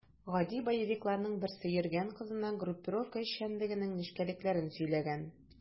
Гади боевикларның берсе йөргән кызына группировка эшчәнлегенең нечкәлекләрен сөйләгән.